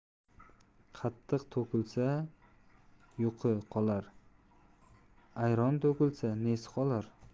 qatiq to'kilsa yuqi qolar ayron to'kilsa nesi qolar